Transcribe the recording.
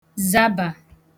zabà